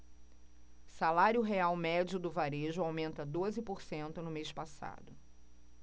salário real médio do varejo aumenta doze por cento no mês passado